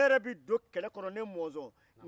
ne mɔzɔn yɛrɛ bɛ don kɛlɛ kɔnɔ